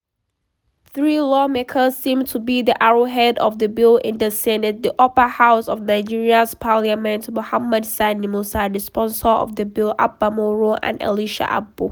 Three lawmakers seem to be the arrowhead of the bill in the Senate, the upper house of Nigeria’s parliament: Mohammed Sani Musa (the sponsor of the bill), Abba Moro and Elisha Abbo.